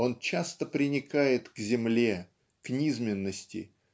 он часто приникает к земле, к низменности,